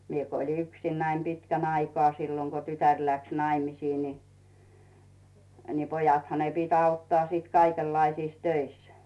minä kun olin yksinäni pitkän aikaa silloin kun tytär lähti naimisiin niin niin pojathan ne piti auttaa sitten kaikenlaisissa töissä